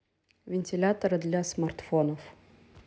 вентиляторы для смартфонов